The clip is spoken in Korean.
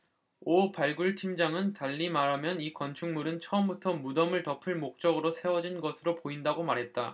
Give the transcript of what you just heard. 오 발굴팀장은 달리 말하면 이 건축물은 처음부터 무덤을 덮을 목적으로 세워진 것으로 보인다고 말했다